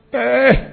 Ɛɛ